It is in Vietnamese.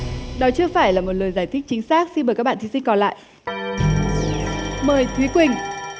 đó chưa phải là một lời giải thích chính xác xin mời các bạn thí sinh còn lại mời thúy quỳnh